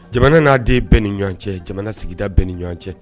Jamana n'a den bɛɛ ni ɲɔgɔn cɛ , jamana sigida bɛɛ ni ɲɔgɔn cɛ.